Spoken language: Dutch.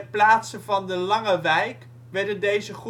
plaatse van de Langewijk werden deze